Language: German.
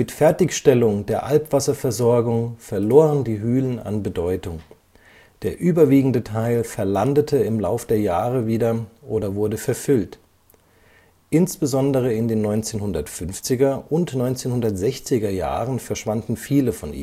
Fertigstellung der Albwasserversorgung verloren die Hülen an Bedeutung, der überwiegende Teil verlandete im Lauf der Jahre wieder oder wurde verfüllt – insbesondere in den 1950er - und 1960er-Jahren verschwanden viele von